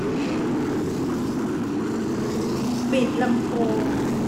ปิดลำโพง